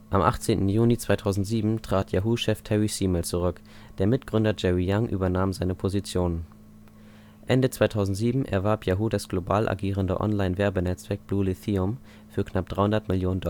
18. Juni 2007 trat Yahoo-Chef Terry Semel zurück. Der Mitgründer Jerry Yang übernahm seine Position. Ende 2007 erwarb Yahoo das global agierende Online-Werbenetzwerk BlueLithium für knapp 300 Millionen Dollar